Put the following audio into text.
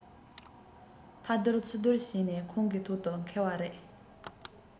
ཕར སྡུར ཚུར སྡུར བྱས ནས ཁོང གི ཐོག ཏུ འཁེལ བ རེད